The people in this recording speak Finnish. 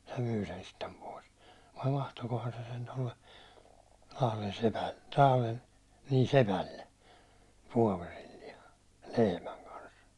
se myi sen sitten pois vai vaihtoikohan se sen tuolle Lahden sepälle Lahden niin sepälle vuoverillaan lehmän kanssa